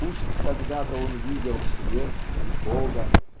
пусть когда-то он видел свет и Бога